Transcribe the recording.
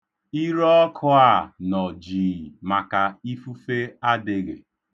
Irọọkụ a nọ jii maka ifufe adịghị.